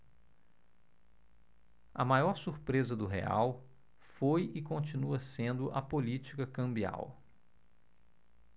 a maior surpresa do real foi e continua sendo a política cambial